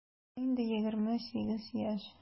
Аңа инде 28 яшь.